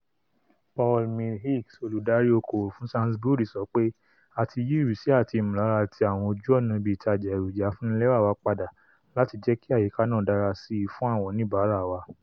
Paul Mills-Hicks, olùdarí oko-òwò fún Sainsbury's, sọ pé: ''A ti yí ìrísí àti ìmọ̀lára ti àwọn ojú ọ̀nà ibi ìtajà èròjà afúnnilẹwà wa padà láti jẹ́kí àyíká náà dára síi fún àwọn oníìbárà wa.